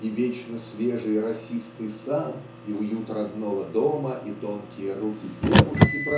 и вечно свежий росистый сад и уют родного дома и тонкие руки девушки